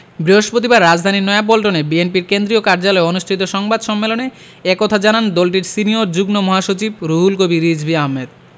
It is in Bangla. বৃহস্পতিবার রাজধানীর নয়াপল্টনে বিএনপির কেন্দ্রীয় কার্যালয়ে অনুষ্ঠিত সংবাদ সম্মেলন এ কথা জানান দলটির সিনিয়র যুগ্ম মহাসচিব রুহুল কবির রিজভী আহমেদ